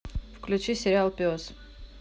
включи сериал пес